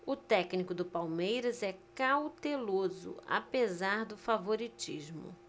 o técnico do palmeiras é cauteloso apesar do favoritismo